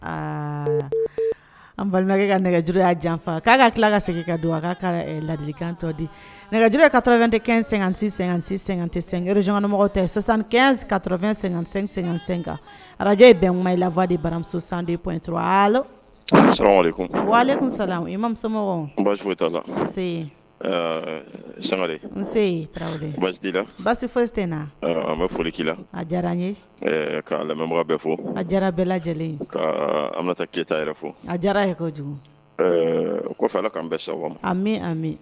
Aa an balimakɛ ka nɛgɛj y'a janfa k'a ka tila ka segin ka don a k' ka ladilikantɔ di nɛgɛj ka tra tɛ kɛ sɛgɛn sin sin sɛgɛn tɛ sen zɔnmɔgɔ tɛsan ka t sɛgɛn senka arajjɛ bɛn lafa de baramuso san de p wa ale tunsa mamusomɔgɔ sangare n basi basi foyisi sen na an bɛ foli' la a diyara n ye ka lamɛnbaga bɛ fɔ a jara bɛɛ lajɛlen an ka taa keyitata yɛrɛ fɔ a diyara kojugu o ala ka an bɛ sa a min an bi